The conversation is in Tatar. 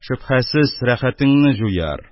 Шөбһәсез, рәхәтеңне җуяр,